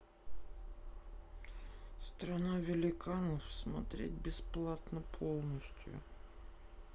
страна великанов смотреть бесплатно полностью